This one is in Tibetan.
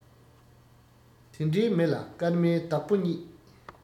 དེ འདྲས མི ལ སྐར མའི བདག པོ རྙེད